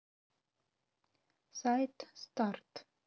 сайт старт